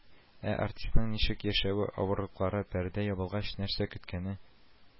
Ә артистның ничек яшәве, авырлыклары, пәрдә ябылгач, нәрсә көткәне